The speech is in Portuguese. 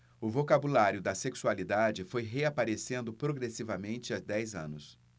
o vocabulário da sexualidade foi reaparecendo progressivamente há dez anos